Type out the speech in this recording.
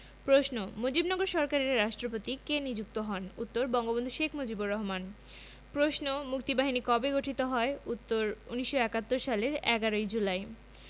প্রশ্ন মুজিবনগর সরকারের রাষ্ট্রপতি কে নিযুক্ত হন উত্তর বঙ্গবন্ধু শেখ মুজিবুর রহমান প্রশ্ন মুক্তিবাহিনী কবে গঠিত হয় উত্তর ১৯৭১ সালের ১১ জুলাই